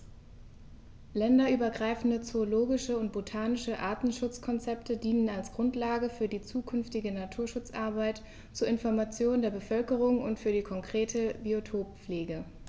Länderübergreifende zoologische und botanische Artenschutzkonzepte dienen als Grundlage für die zukünftige Naturschutzarbeit, zur Information der Bevölkerung und für die konkrete Biotoppflege.